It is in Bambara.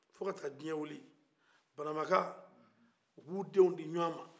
fo ka taa diɲɛ wili bananba ka u b'u denw di ɲwan ma